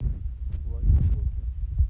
лаки блоки